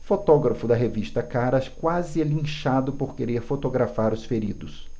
fotógrafo da revista caras quase é linchado por querer fotografar os feridos